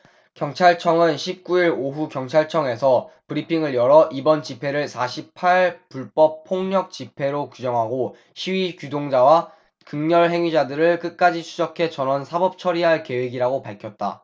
경찰청은 십 구 일 오후 경찰청에서 브리핑을 열어 이번 집회를 사 십 팔 불법 폭력 집회로 규정하고 시위 주동자와 극렬 행위자들을 끝까지 추적해 전원 사법처리할 계획이라고 밝혔다